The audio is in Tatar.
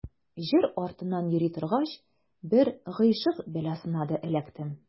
Җыр артыннан йөри торгач, бер гыйшык бәласенә дә эләктем.